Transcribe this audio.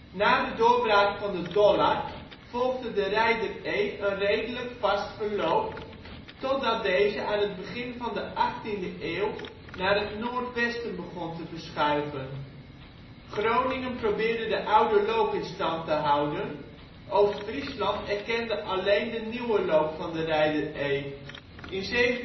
Na de doorbraak van de Dollard volgde de Reider Ee een redelijk vast verloop, totdat deze aan het begin van de achttiende eeuw naar het noordwesten begon te verschuiven. Groningen probeerde de oude loop in stand te houden, Oost-Friesland erkende alleen de nieuwe loop van de Reider Ee. In 1723